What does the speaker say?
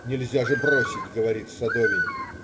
Нельзя же бросить",говорит Садовень.